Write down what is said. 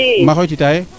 ma xooytita yee